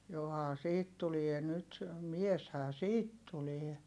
johan siitä tulee nyt mieshän siitä tulee